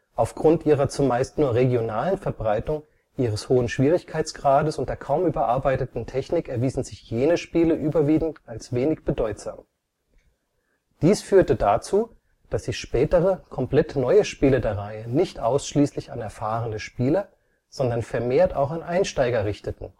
Aufgrund ihrer zumeist nur regionalen Verbreitung, ihres hohen Schwierigkeitsgrades und der kaum überarbeiteten Technik erwiesen sich jene Spiele überwiegend als wenig bedeutsam. Dies führte dazu, dass sich spätere, komplett neue Spiele der Reihe nicht ausschließlich an erfahrene Spieler, sondern vermehrt auch an Einsteiger richteten